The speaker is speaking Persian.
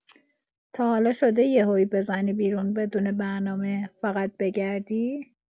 تا حالا شده یهویی بزنی بیرون بدون برنامه فقط بگردی؟